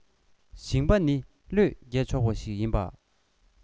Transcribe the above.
ཞིང པ ནི བློས འགེལ ཆོག པ ཞིག ཡིན པ